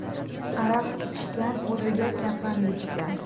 araq ichgan o'ziga kafan bichgan